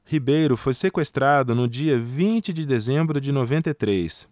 ribeiro foi sequestrado no dia vinte de dezembro de noventa e três